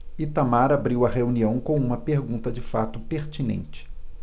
itamar abriu a reunião com uma pergunta de fato pertinente